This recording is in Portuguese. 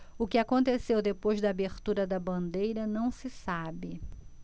o que aconteceu depois da abertura da bandeira não se sabe